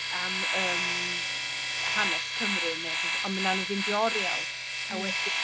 am yym hanes Cymru ne' b- on' mi nawn nw fynd i oriel. A wedyn